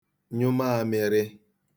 nyụ maāmị̄rị̄